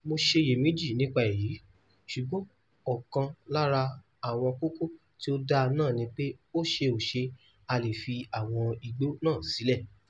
Mò ṣeyèméjì nípa èyí, ṣùgbọ́n ọ̀kan lára àwọn kókó to dáa náà ni pé ó ṣe ò ṣe a lè fi àwọn igbó náà sílẹ̀.